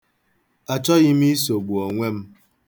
Achọghị m isogbu onwe m